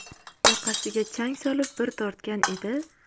yoqasiga chang solib bir tortgan edi